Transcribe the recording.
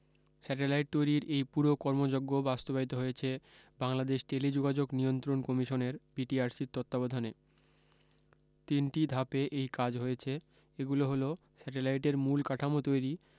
satellite তৈরির এই পুরো কর্মযজ্ঞ বাস্তবায়িত হয়েছে বাংলাদেশ টেলিযোগাযোগ নিয়ন্ত্রণ কমিশনের বিটিআরসি তত্ত্বাবধানে তিনটি ধাপে এই কাজ হয়েছে এগুলো হলো স্যাটেলাইটের মূল কাঠামো তৈরি